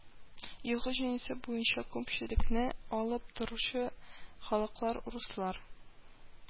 Елгы җанисәп буенча күпчелекне алып торучы халыклар: руслар